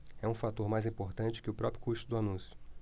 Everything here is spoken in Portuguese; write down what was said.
é um fator mais importante que o próprio custo do anúncio